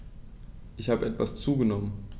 Ich habe etwas zugenommen